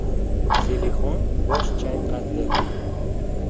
zelixon bosh chayqadi